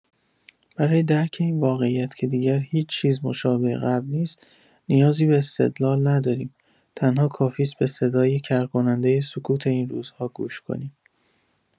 برای درک این واقعیت که دیگر هیچ‌چیز مشابه قبل نیست نیازی به استدلال نداریم، تنها کافیست به صدای کر کننده سکوت این روزها گوش کنیم.